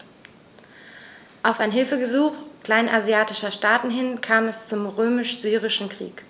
Auf ein Hilfegesuch kleinasiatischer Staaten hin kam es zum Römisch-Syrischen Krieg.